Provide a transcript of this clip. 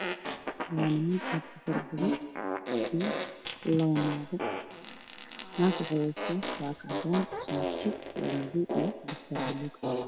Waa niman aada u fara badan iyo laba naangood lacagtu waxay wadataa madow cadaan iyo masar madow eh